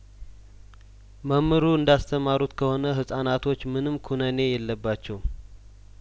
መምሩ እንዳስ ተማሩት ከሆነ ህጻናቶችምንም ኩነኔ የለባቸውም